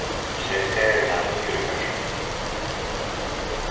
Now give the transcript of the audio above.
set ferðina niður í ferðsluni